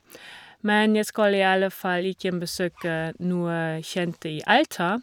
Men jeg skal i alle fall igjen besøke noe kjente i Alta.